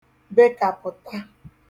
bekàpụ̀ta